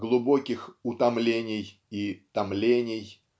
глубоких утомлений и томлений